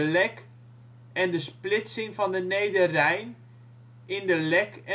Lek en de splitsing van de Nederrijn in de Lek